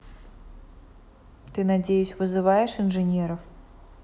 ты надеюсь вызываешь инженеров